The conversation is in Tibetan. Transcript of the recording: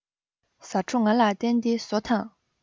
ཟ འཕྲོ ང ལ བསྟན ཏེ ཟོ དང